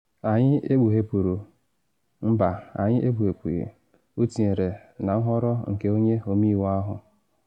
Anyị ekpughepuru...Mba, anyị ekpughipughi,” o tinyere, na nghọrọ nke onye ọmeiwu ahụ.